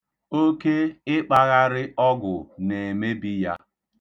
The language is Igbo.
Oke ịkpagharị ọgwụ na-emebe ya.